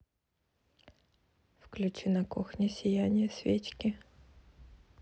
включи на кухне сияние свечки